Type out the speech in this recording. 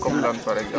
comme lan par exemple